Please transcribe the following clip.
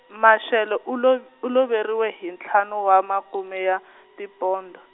Mashele u lov- u loveriwa hi ntlhanu wa makume ya tipondo.